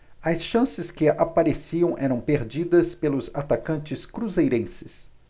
as chances que apareciam eram perdidas pelos atacantes cruzeirenses